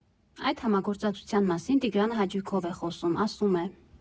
Այդ համագործակցության մասին Տիգրանը հաճույքով է խոսում, ասում է.